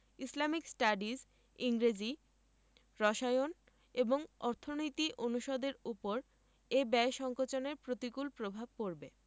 Islamic studies ইংরেজি রসায়ন এবং অর্থনীতি অনুষদের ওপর এ ব্যয় সংকোচনের প্রতিকূল প্রভাব পড়বে